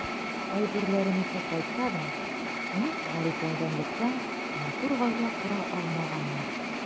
Кайберләренеке кайтса да, нык гарипләнгәнлектән, матур гаилә кора алмаганнар.